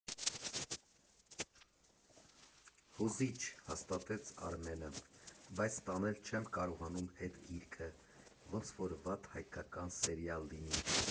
֊ Հուզի՜չ, ֊ հաստատեց Արմենը, ֊ բայց տանել չեմ կարողանում էդ գիրքը, ոնց որ վատ հայկական սերիալ լինի…